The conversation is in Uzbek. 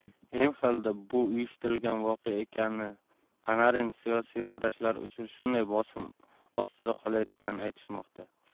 mxlda bu uyushtirilgan voqea ekanini panarin siyosiy qarashlari uchun shunday bosim ostida qolayotganini aytishmoqda